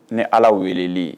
Ni ala welelen